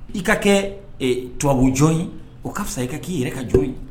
I ka kɛ tubabu jɔn ye, o ka fisa i ka k'i yɛrɛ ka jɔn ye!